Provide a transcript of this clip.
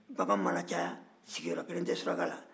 bagan mana caya sigiyɔrɔ kelen tɛ suraka la